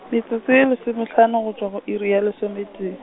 metsotso e lesomehlano go tšwa go iri ya lesometee.